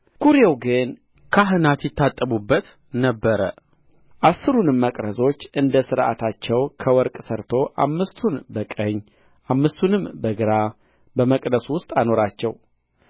ኵሬው ግን ካህናት ይታጠቡበት ነበር አሥሩንም መቅረዞች እንደ ሥርዓታቸው ከወርቅ ሠርቶ አምስቱን በቀኝ አምስቱንም በግራ በመቅደሱ ውስጥ አኖራቸው